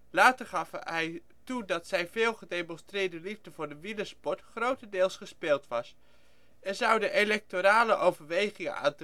Later gaf hij toe dat zijn veel gedemonstreerde liefde voor de wielersport grotendeels gespeeld was; er zouden electorale overwegingen aan